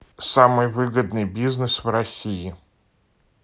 самый выгодный бизнес в россии